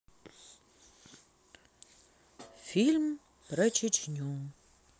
фильм про чечню